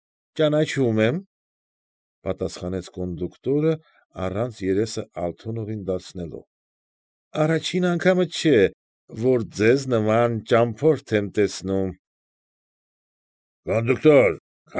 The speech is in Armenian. Ճանաչում եմ, ֊ պատասխանեց կոնդուկտորը, առանց երեսը Ալթունովին դարձնելու,֊ առաջին անգամ չէ, որ ձեզ նման ճամփորդ եմ տեսնում։ ֊ Կոնդուկտո՛ր,